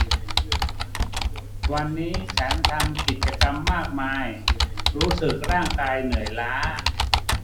วันนี้ฉันทำกิจกรรมมากมายรู้สึกร่างกายเหนื่อยล้า